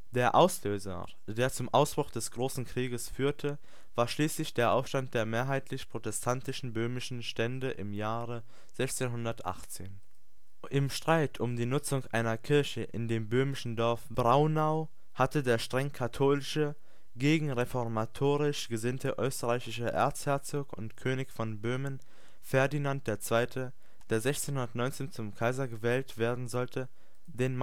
Der Auslöser, der zum Ausbruch des großen Krieges führte, war schließlich der Aufstand der mehrheitlich protestantischen böhmischen Stände im Jahr 1618. Im Streit um die Nutzung einer Kirche in dem böhmischen Dorf Braunau hatte der streng katholische, gegenreformatorisch gesinnte österreichische Erzherzog und König von Böhmen Ferdinand II., der 1619 zum Kaiser gewählt werden sollte, den